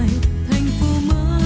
thành phố mới